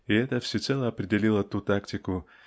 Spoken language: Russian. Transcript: и это всецело определило ту "тактику"